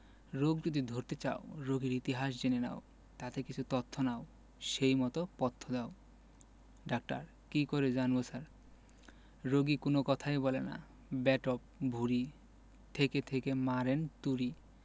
রোগ যদি ধরতে চাও রোগীর ইতিহাস জেনে নাও তাতে কিছু তথ্য নাও সেই মত পথ্য দাও ডাক্তার কি করে জানব স্যার রোগী কোন কথাই বলে না বেঢপ ভূঁড়ি থেকে থেকে মারেন তুড়ি